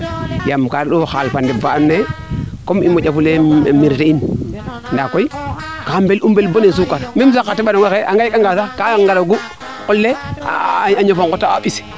yaam ka re'u o xaal fa ɗeɓ faa ando naye comme i monjo fufe bergers in ndaa koy ka mbel u mble bo nen sukar ten tax xa teɓanongaxe a ngar anga sax kaa ngaroogu qol le a ñofo ngot a ɓis